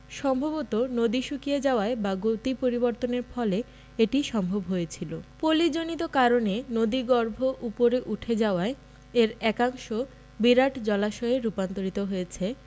সম্ভবত নদী শুকিয়ে যাওয়ায় বা গতি পরিবর্তনের ফলে এটি সম্ভব হয়েছিল পলিজনিত কারণে নদীগর্ভ উপরে উঠে যাওয়ায় এর একাংশ বিরাট এক জলাশয়ে রূপান্তরিত হয়েছে